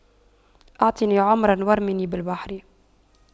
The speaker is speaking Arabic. اعطني عمرا وارميني بالبحر